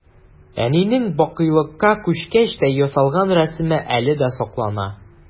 Әнинең бакыйлыкка күчкәч тә ясалган рәсеме әле дә саклана.